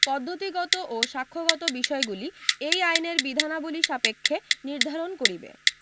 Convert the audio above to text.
পদ্ধতিগত ও সাক্ষ্যগত বিষয়গুলি এই আইনের বিধানাবলী সাপেক্ষে নির্ধারণ করিবে